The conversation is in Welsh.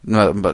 'Na yym by-